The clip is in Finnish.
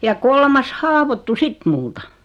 ja - ja kolmas haavoittui sitten minulta